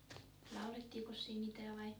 laulettiinkos siinä mitään vai